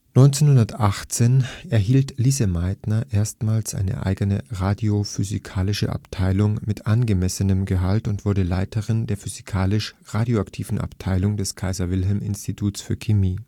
1918 erhielt Lise Meitner erstmals eine eigene radiophysikalische Abteilung mit angemessenem Gehalt und wurde Leiterin der physikalisch-radioaktiven Abteilung des Kaiser-Wilhelm-Instituts für Chemie